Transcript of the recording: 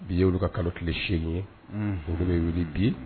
Bi ye olu ka kalo tile se ye olu bɛ wuli bi